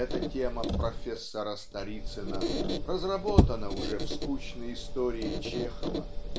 эта тема "Профессора Сторицына" разработана уже в "Скучной истории" Чехова.